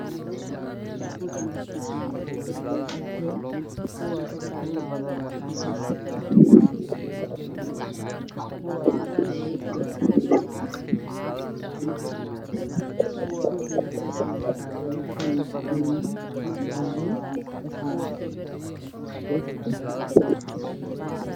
Waa arday gabdho ah kuraas ku fadhiyaan waa dugsi dhexe waxay wataan xijaabo jaarle ah waxa ay qorayaan